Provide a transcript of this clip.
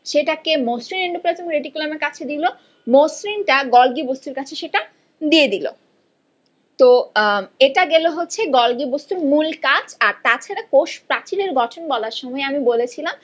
সেটাকে মসৃণ endoplasmic reticulum এর কাছে দিল মসৃণটা বস্তুর কাছে সেটা দিয়ে দিল তো এটা গেল হচ্ছে গলগী বস্তুর মূল কাজ তাছাড়া কোষ প্রাচীরের গঠন বলার সময় আমি বলেছিলাম